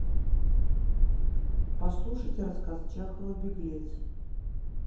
послушать рассказ чехова беглец